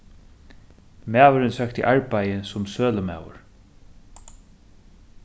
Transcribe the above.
maðurin søkti arbeiði sum sølumaður